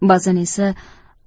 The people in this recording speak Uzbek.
ba'zan esa